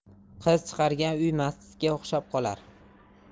qiz chiqargan uy masjidga o'xshab qolar